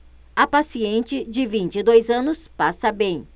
a paciente de vinte e dois anos passa bem